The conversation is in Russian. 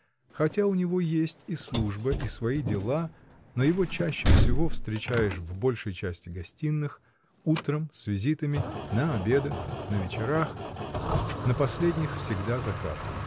хотя у него есть и служба, и свои дела, но его чаще всего встречаешь в большей части гостиных, утром — с визитами, на обедах, на вечерах: на последних всегда за картами.